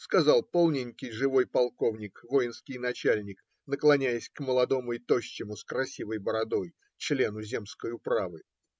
сказал полненький живой полковник, воинский начальник, наклонясь к молодому и тощему, с красивой бородой, члену земской управы.